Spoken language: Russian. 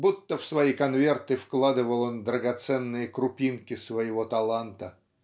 будто в свои конверты вкладывал он драгоценные крупинки своего таланта.